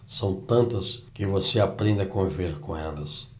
são tantas que você aprende a conviver com elas